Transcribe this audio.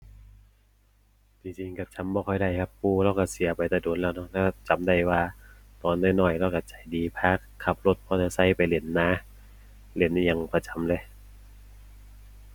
ที่จริงก็จำบ่ค่อยได้ครับ ปู่เลาก็เสียไปแต่โดนแล้วเนาะ แต่จำได้ว่า ตอนน้อยน้อยเลาก็ใจดี พาขับรถมอเตอร์ไซค์ไปเล่นนา เล่นอิหยังประจำเลย